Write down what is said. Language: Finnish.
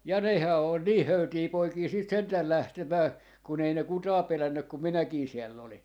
ja nehän oli niin höytejä poikia sitten sentään lähtemään kun ei ne ketään pelännyt kun minäkin siellä olin